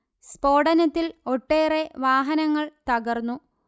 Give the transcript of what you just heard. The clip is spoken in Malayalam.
സ്ഫോടനത്തിൽ ഒട്ടേറെ വാഹനങ്ങൾ തകർന്നു